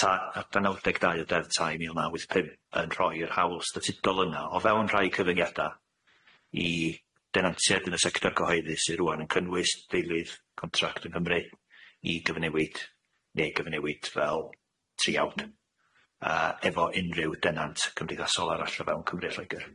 ta- arda naw deg dau o deddf tai mil naw wyth pump yn rhoi'r hawl statudol yna o fewn rhai cyfyngiada i denantiaid yn y sector cyhoeddi sy rŵan yn cynnwys deuludd contract yng Nghymru i gyfnewid neu gyfnewid fel triawd yy efo unryw denant cymdeithasol arall o fewn Cymru a Lloegr.